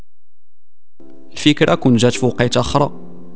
في كركوك